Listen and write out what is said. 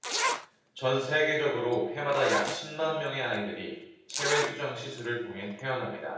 전 세계적으로 해마다 약 십 만 명의 아이들이 체외 수정 시술을 통해 태어납니다